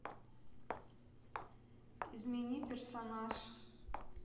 измени персонаж